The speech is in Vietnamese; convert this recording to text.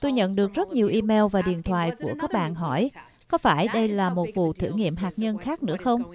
tôi nhận được rất nhiều y meo và điện thoại của các bạn hỏi có phải đây là một vụ thử nghiệm hạt nhân khác nữa không